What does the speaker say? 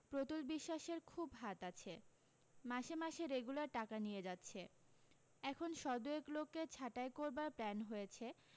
প্রতুল বিশ্বাসের খুব হাত আছে মাসে মাসে রেগুলার টাকা নিয়ে যাচ্ছে এখন শদুয়েক লোককে ছাঁটাই করবার প্ল্যান হয়েছে